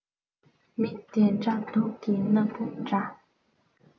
མི དེ འདྲ དུང གི སྣུག བུམ འདྲ